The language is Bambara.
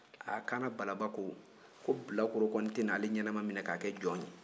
ha kaana balaba ko ko bilakoro kɔni tɛna ale ɲɛnaman minɛ ka kɛ jɔn ye